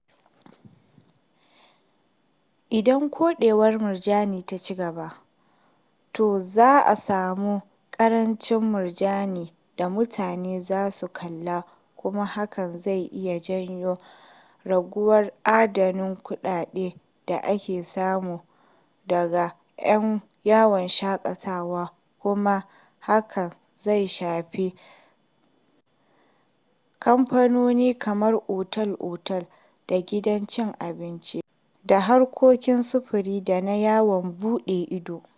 Idan koɗewar murjanin ta cigaba, to za a samu ƙarancin murjanin da mutane za su kalla kuma hakan zai iya jawo raguwar adadin kuɗaɗen da ake samu daga 'yan yawon shaƙatawa, kuma hakan zai shafi kamfanoni kamar otel-otel da gidajen cin abinci da harkokin sufuri da na yawon buɗe ido.